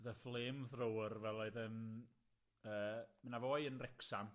The flame thrower fel oedd yym yy 'na fo i un Wrecsam.